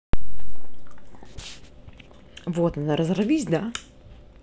вот надо разорвись да